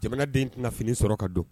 Jamanaden tɛna fini sɔrɔ ka don